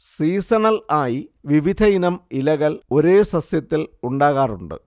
seasonal ആയി വിവിധയിനം ഇലകൾ ഒരേ സസ്യത്തിൽ ഉണ്ടാകാറുണ്ട്